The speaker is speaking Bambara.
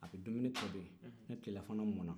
a bɛ dumini tobi ni tilafana mɔna